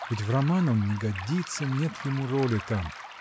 Ведь в роман он не годится: нет ему роли там.